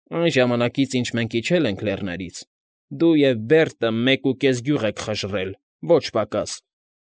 Այն ժամանակից, ինչ մենք իջել ենք լեռներից, դու և Բերտը մեկ ու կես գյուղ եք խժռել, ոչ պակաս։